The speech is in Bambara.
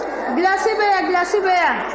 glace bɛ yan gilasi bɛ yan